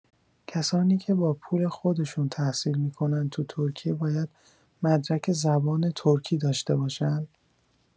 کسانی که با پول خودشون تحصیل می‌کنند تو ترکیه باید مدرک زبان ترکی داشته باشند؟